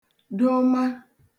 doma